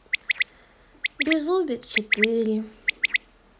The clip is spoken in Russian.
беззубик четыре